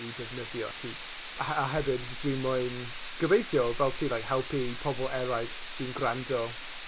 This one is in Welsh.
i defnyddio hi, a he- a hefyd, dwi moyn, gobeithio, fel ti, like helpu i pobl eraill sy'n gwrando